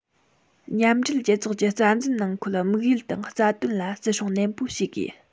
མཉམ འབྲེལ རྒྱལ ཚོགས ཀྱི རྩ འཛིན ནང འཁོད དམིགས ཡུལ དང རྩ དོན ལ བརྩི སྲུང ནན པོ ཞུས དགོས